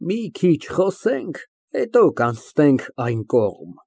Մի քիչ խոսենք, հետո կանցնենք այն կողմ։